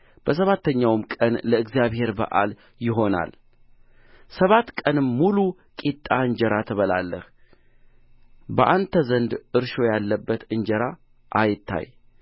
በሰባተኛውም ቀን ለእግዚአብሔር በዓል ይሆናል ሰባት ቀንም ሙሉ ቂጣ እንጀራ ትበላለህ በአንተም ዘንድ እርሾ ያለበት እንጀራ አይታይ